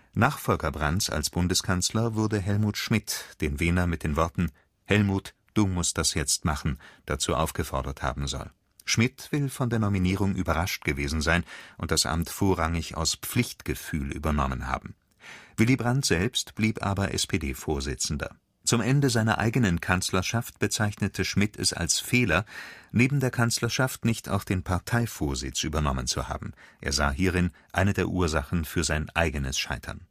Nachfolger Brandts als Bundeskanzler wurde Helmut Schmidt, den Wehner mit den Worten „ Helmut, Du musst das jetzt machen “dazu aufgefordert haben soll. Schmidt will von der Nominierung überrascht gewesen sein und das Amt vorrangig aus Pflichtgefühl übernommen haben. Willy Brandt selbst blieb aber SPD-Vorsitzender. Zum Ende seiner eigenen Kanzlerschaft bezeichnete Schmidt es als Fehler, neben der Kanzlerschaft nicht auch den Parteivorsitz übernommen zu haben. Er sah hierin eine der Ursachen für sein eigenes Scheitern